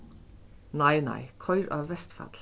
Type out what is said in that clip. nei nei koyr á vestfallið